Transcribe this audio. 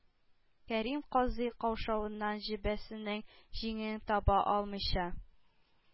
Кәрим казый каушавыннан җөббәсенең җиңен таба алмыйча,